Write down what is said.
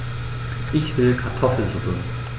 Ich will Kartoffelsuppe.